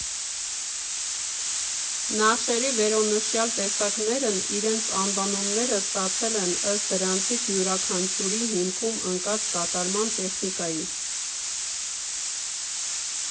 Նախշերի վերոնշյալ տեսակներն իրենց անվանումները ստացել են ըստ դրանցից յուրաքանչյուրի հիմքում ընկած կատարման տեխնիկայի։